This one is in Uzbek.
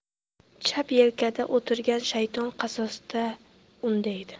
chap yelkada o'tirgan shayton qasosga undaydi